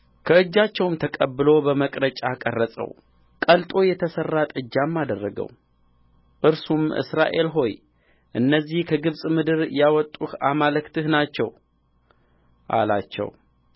ከእጃቸውም ተቀብሎ በመቅረጫ ቀረጸው ቀልጦ የተሠራ ጥጃም አደረገው እርሱም እስራኤል ሆይ እነዚህ ከግብፅ ምድር ያወጡህ አማልክትህ ናቸው አላቸው